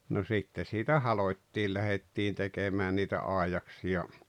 no sitten siitä halottiin lähdettiin tekemään niitä aidaksia